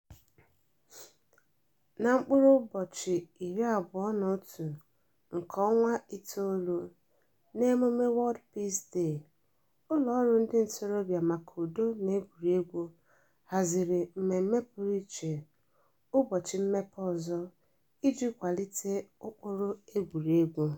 Na Septemba 21, n'emume World Peace Day, ụlọọrụ ndị ntorobịa maka Udo na Egwuruegwu haziri mmemme pụrụ iche, ụbọchị Mmepe Ụzọ, iji kwalite ụkpụrụ egwuregwu.